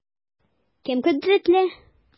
Кем кодрәтле?